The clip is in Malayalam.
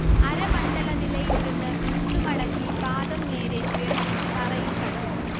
അരമണ്ഡല നിലയിലിരുന്ന് മുട്ട് മടക്കി പാദം നേരെ ഉയർത്തി തറയിൽ തട്ടുന്നു